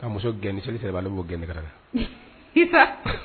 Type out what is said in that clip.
Ka muso gɛn , ni seli sera ne b'u gɛn de ka taa kɛnɛma.